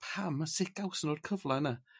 pam a sut gawson nhw'r cyfle 'na?